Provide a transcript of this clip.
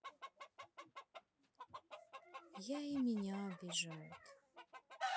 я и меня обижают